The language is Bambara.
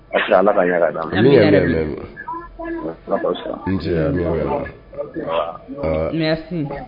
Ala ka